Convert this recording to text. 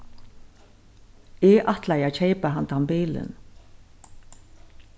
eg ætlaði at keypa handan bilin